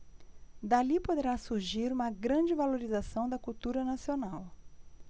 dali poderá surgir uma grande valorização da cultura nacional